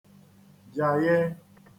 jàye